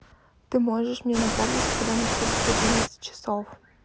ты можешь мне напомнить когда наступит одиннадцать часов